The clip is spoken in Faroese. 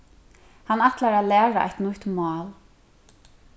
hann ætlar at læra eitt nýtt mál